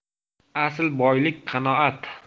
asl boylik qanoat